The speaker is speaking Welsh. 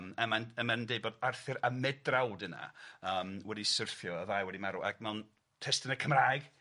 Yym a mae'n a mae'n dweud bod Arthur a Medrawd yna yym wedi syrthio, y ddau wedi marw, ac mewn testuna' Cymraeg,